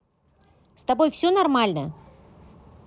с тобой все нормально